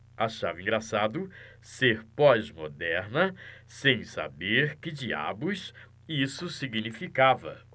achava engraçado ser pós-moderna sem saber que diabos isso significava